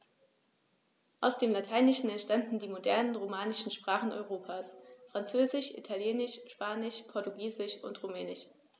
Aus dem Lateinischen entstanden die modernen „romanischen“ Sprachen Europas: Französisch, Italienisch, Spanisch, Portugiesisch und Rumänisch.